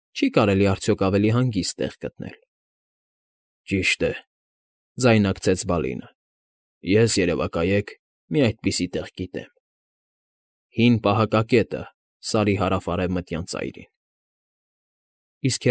Չի՞ կարելի արդյոք ավելի հանգիստ տեղ գտնել։ ֊ Ճիշտ է,֊ ձայնարկեց Բալինը։֊ Ես, երևակայեք, մի այդպիսի տեղ գիտեմ. հին պահակակետը Սարի հարավ֊արևմտյան ծայրին։ ֊ Իսկ։